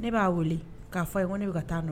Ne b'a weele k'a fɔ ye ko ne bɛ ka taa